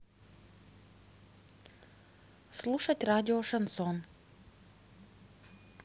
слушать радио шансон